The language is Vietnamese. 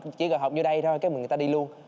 chỉ cần học nhiêu đây thôi cái mà người ta đi luông